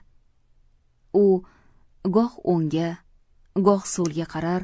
u goh o'ngga goh so'lga qarar